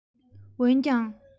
འོན ཀྱང